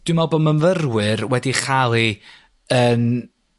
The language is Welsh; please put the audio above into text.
dwi'n me'l bo' myfyrwyr wedi'i cha'l hi yn